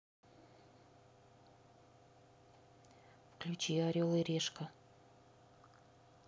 включи орел и решка